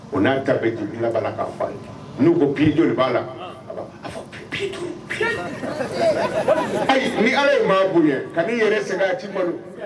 O n'a ta bi la k'a n' ko bin duuru i b'a la a fɔ bito ayi ni ala ye maa bonya ye ka'i yɛrɛ sen a ci ma